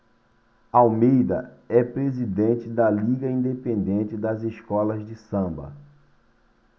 almeida é presidente da liga independente das escolas de samba